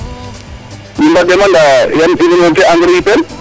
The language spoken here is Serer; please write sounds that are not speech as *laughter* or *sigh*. i mbadee ma ndaa anda ne *unintelligible* engrais yipel